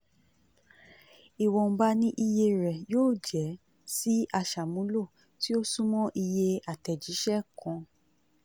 Ìwọ̀nba ni iye rẹ̀ yóò jẹ́ sí aṣàmúlò — tí ó súnmọ́ iye àtẹ̀jíṣẹ́ SMS kan.